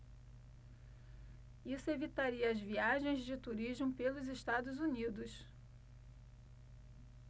isso evitaria as viagens de turismo pelos estados unidos